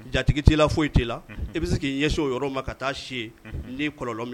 Jatigi ti la foyi ti la. I bi se ki ɲɛsin o yɔrɔ ma ka taa si ni kɔlɔlɔ mi